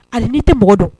Hali n'i tɛ mɔgɔ don